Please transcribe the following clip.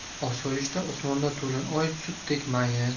osoyishta osmonda to'lin oy sutdek mayin